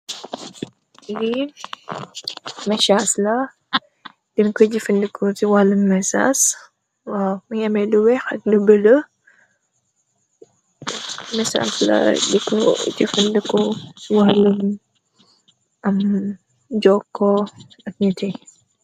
Li messasla den koi jefendeko si walum messas waw mogi ameh lu weex ak lu bulo messasla jefendeko si walum joko ak niti.